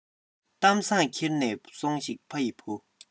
གཏམ བཟང འཁྱེར ནས སོང ཞིག ཕ ཡི བུ